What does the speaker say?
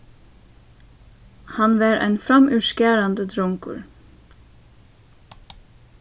hann var ein framúrskarandi drongur